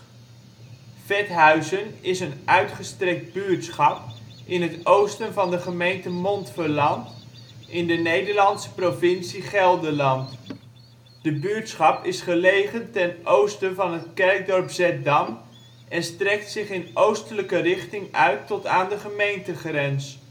Vethuizen is een uitgestrekt buurtschap in het oosten van de gemeente Montferland in de Nederlandse provincie Gelderland. De buurtschap is gelegen ten oosten van het kerkdorp Zeddam en strekt zich in oostelijke richting uit tot aan de gemeentegrens